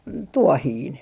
- tuohinen